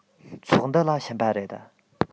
ཚོགས འདུ ལ ཕྱིན པ རེད